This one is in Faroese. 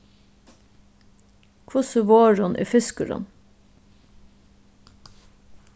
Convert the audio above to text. hvussu vorðin er fiskurin